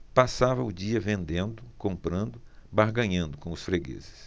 passava o dia vendendo comprando barganhando com os fregueses